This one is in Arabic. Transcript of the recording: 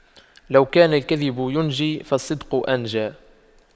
لو كان الكذب ينجي فالصدق أنجى